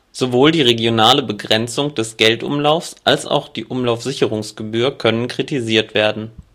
Sowohl die regionale Begrenzung des Geldumlaufs als auch die Umlaufsicherungsgebühr können kritisiert werden